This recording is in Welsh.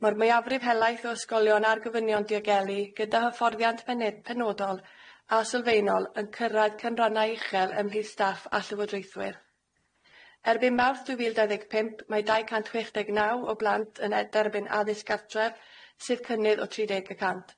Mae'r mwyafrif helaeth o ysgolion a'r gofynion diogelu gyda hyfforddiant penid- penodol a sylfaenol yn cyrraedd cynrannau uchel ymhlith staff a llywodraethwyr. Erbyn Mawrth dwy fil dau ddeg pump mae dau cant chwech deg naw o blant yn ed- derbyn addysg gartref sydd cynnydd o tri deg y cant.